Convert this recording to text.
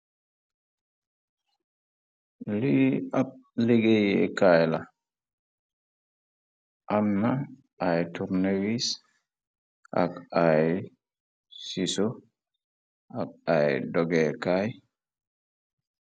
li ab léggéeye kaayla amma ay tournawis ak ay sisu ak ay dogeerkaay